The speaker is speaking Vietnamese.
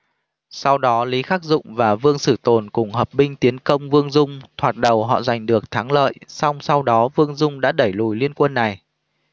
sau đó lý khắc dụng và vương xử tồn cùng hợp binh tiến công vương dung thoạt đầu họ giành được thắng lợi song sau đó vương dung đã đẩy lui liên quân này